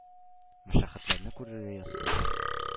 Мәшәкатьләрне күрергә язсын.